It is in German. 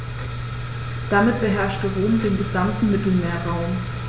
Damit beherrschte Rom den gesamten Mittelmeerraum.